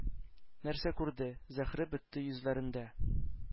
Нәрсә күрде?! — Зәһре бетте йөзләрендә,